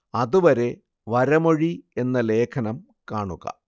അതുവരെ വരമൊഴി എന്ന ലേഖനം കാണുക